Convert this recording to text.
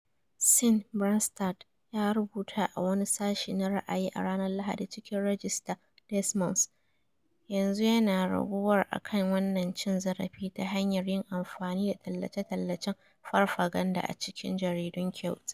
Sin, Branstad ya rubuta a wani sashi na ra'ayi a ranar Lahadi cikin Ragista Des Moines, "yanzu yana raguwar a kan wannan cin zarafi ta hanyar yin amfani da tallace-tallacen farfaganda a cikin jaridun kyauta."